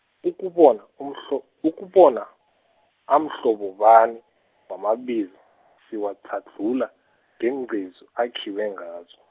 ukubola umhlo-, ukubona, amhlobo bani, wamabizo siwatlhadlhula ngeengcezu akhiwe ngazo.